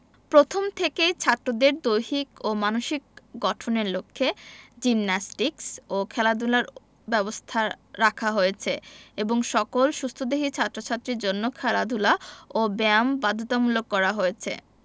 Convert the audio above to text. প্রথম থেকেই ছাত্রদের দৈহিক ও মানসিক গঠনের লক্ষ্যে জিমনাস্টিকস ও খেলাধুলার ব্যবস্থা রাখা হয়েছে এবং সকল সুস্থদেহী ছাত্র ছাত্রীর জন্য খেলাধুলা ও ব্যায়াম বাধ্যতামূলক করা হয়েছে